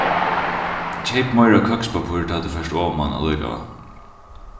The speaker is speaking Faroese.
keyp meira køkspappír tá tú fert oman allíkavæl